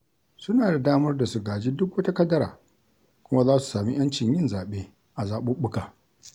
Suna da damar da su gaji duk wata kadara kuma za su sami 'yancin yin zaɓe a zaɓuɓɓuka.